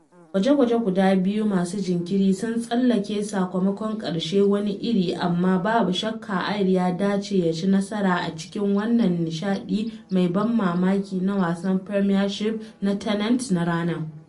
Gwaje-gwaje guda biyu masu jinkiri sun tsallake sakamakon ƙarshe wani iri, amma babu shakka Ayr ya dace ya ci nasara a cikin wannan nishaɗi mai ban mamaki na wasan Premiership na Tennent na ranar.